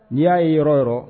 N'i y'a ye yɔrɔ o yɔrɔ